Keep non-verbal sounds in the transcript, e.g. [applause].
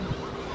[hesitation] [hesitation]